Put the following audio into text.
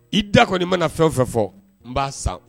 I da kɔni mana na fɛn o fɛ fɔ n b'a san